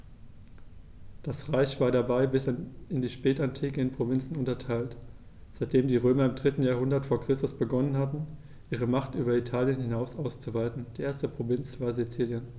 Das Reich war dabei bis in die Spätantike in Provinzen unterteilt, seitdem die Römer im 3. Jahrhundert vor Christus begonnen hatten, ihre Macht über Italien hinaus auszuweiten (die erste Provinz war Sizilien).